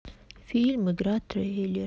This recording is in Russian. фильм игра трейлер